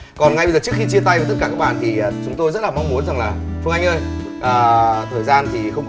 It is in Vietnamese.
còn ngay trước khi chia tay với tất cả các bạn thì chúng tôi rất là mong muốn rằng là phương anh ơi ờ thời gian thì không